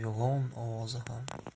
yo'g'on ovozi ham